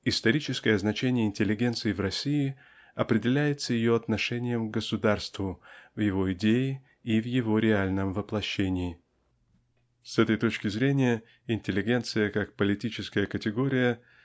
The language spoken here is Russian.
историческое значение интеллигенции в России определяется ее отношением к государству в его идее и в его реальном воплощении. С этой точки зрения интеллигенция как политическая категория